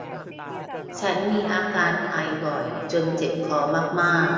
ฉันมีอาการไอบ่อยจนเจ็บคอมากมาก